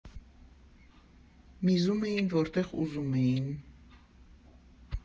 Միզում էին, որտեղ ուզում էին։